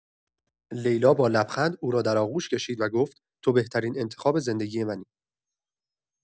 لیلا با لبخند او را در آغوش کشید و گفت: «تو بهترین انتخاب زندگی منی.»